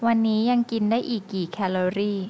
วันนี้ยังกินได้อีกกี่แคลอรี่